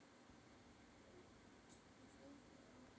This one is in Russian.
ну конечно стобой согласен